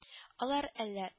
Алар әллә